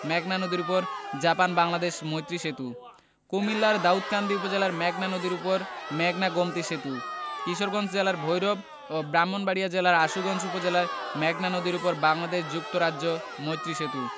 মেঘনা নদীর উপর জাপান বাংলাদেশ মৈত্রী সেতু কুমিল্লার দাউদকান্দি উপজেলায় মেঘনা নদীর উপর মেঘনা গোমতী সেতু কিশোরগঞ্জ জেলার ভৈরব ও ব্রাহ্মণবাড়িয়া জেলার আশুগঞ্জ উপজেলায় মেঘনা নদীর উপর বাংলাদেশ যুক্তরাজ্য মৈত্রী সেতু